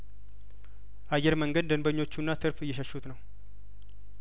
አየር መንገድ ደንበኞቹና ትርፍ እየሸሹት ነው